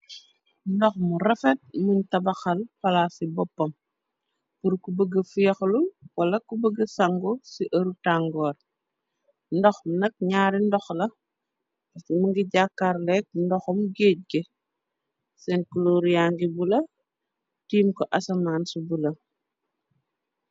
Ndox mu rafet muñ tabaxal palase ci boppam pur ku bëgg fioxlu wala ku bëgg sango ci ëru tangoor ndox nak ñaari ndox la muge jàakaar leek ndoxam géej ge sen coloor yage bula timko de asamaan su bula.